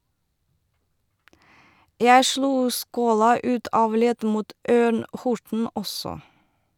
- Jeg slo skåla ut av ledd mot Ørn-Horten også.